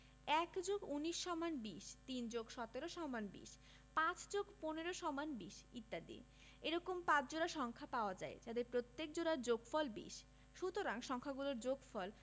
১+১৯=২০ ৩+১৭=২০ ৫+১৫=২০ ইত্যাদি এরকম ৫ জোড়া সংখ্যা পাওয়া যায় যাদের প্রত্যেক জোড়ার যোগফল ২০ সুতরাং সংখ্যা গুলোর যোগফল